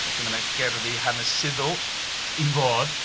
Felly mae 'na gerddi hanesyddol i fod.